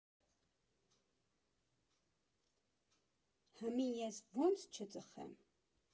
Հըմի ես ո՞նց չծխեմ։